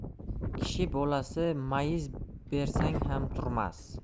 kishi bolasi mayiz bersang ham turmas